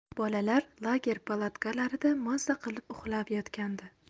bolalar lager palatkalarida maza qilib uxlab yotgandi